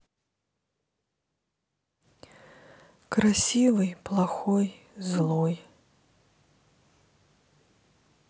красивый плохой злой